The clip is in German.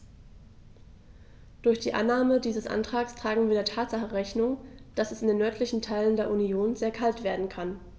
Durch die Annahme dieses Antrags tragen wir der Tatsache Rechnung, dass es in den nördlichen Teilen der Union sehr kalt werden kann.